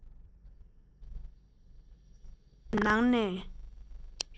ཀུན གྱི ནང ནས